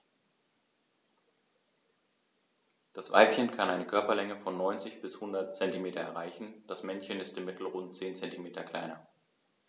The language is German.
Das Weibchen kann eine Körperlänge von 90-100 cm erreichen; das Männchen ist im Mittel rund 10 cm kleiner.